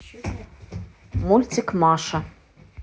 мультик маша